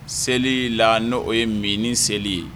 Seli la n'o o ye mi ni seli ye